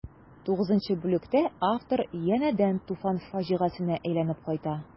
Тугызынчы бүлектә автор янәдән Туфан фаҗигасенә әйләнеп кайта.